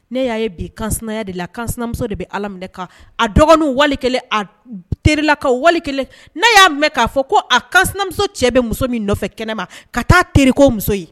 Ne y'a biya de la ka sinamuso de bɛ ala a dɔgɔnin wali a terila ka wali'a y'a mɛn k'a fɔ ko a kamuso cɛbɛ muso min nɔfɛ kɛnɛ ma ka taa teriko muso ye